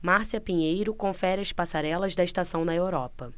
márcia pinheiro confere as passarelas da estação na europa